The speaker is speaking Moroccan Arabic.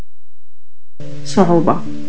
صعوبه